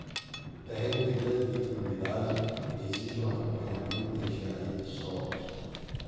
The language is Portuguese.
o terreno de grande declividade exige um acompanhamento de engenharia de solos